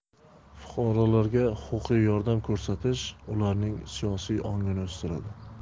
fuqarolarga huquqiy yordam ko'rsatish ularning siyosiy ongini o'stiradi